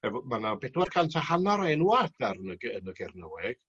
efo... Ma' 'na bedwar cant a hannar o enwa' adar yn y gy- yn y Gernyweg